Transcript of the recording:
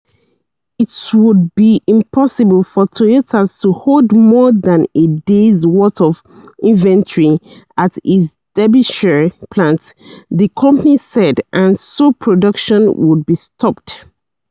It would be impossible for Toyota to hold more than a day's worth of inventory at its Derbyshire plant, the company said, and so production would be stopped.